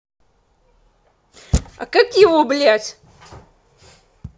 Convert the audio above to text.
а как его блять